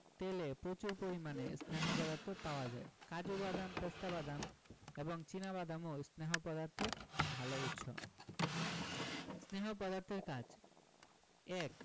তেলে প্রচুর পরিমাণে স্নেহ পদার্থ পাওয়া যায় কাজু বাদাম পেস্তা বাদাম এবং চিনা বাদামও স্নেহ পদার্থের ভালো উৎস স্নেহ পদার্থের কাজ ১